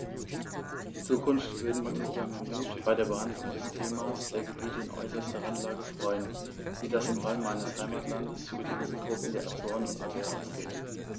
In Zukunft würden wir uns über mehr Mut bei der Behandlung des Themas der Gebiete in äußerster Randlage freuen, wie das im Fall meines Heimatlandes für die Inselgruppen der Azoren und Madeiras gilt.